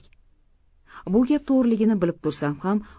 bu gap to'g'riligini bilib tursam ham